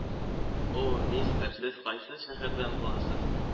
О, мистер, сез кайсы шәһәрдән буласыз?